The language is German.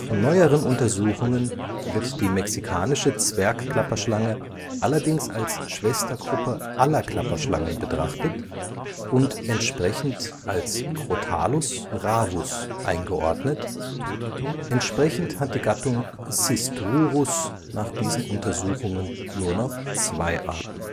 neueren Untersuchungen wird die Mexikanische Zwergklapperschlange allerdings als Schwestergruppe aller Klapperschlangen betrachtet und entsprechend als Crotalus ravus eingeordnet, entsprechend hat die Gattung Sistrurus nach diesen Untersuchungen nur noch zwei Arten